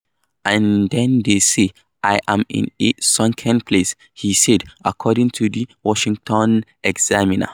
And then they say I'm in a sunken place," he said, according to the Washington Examiner.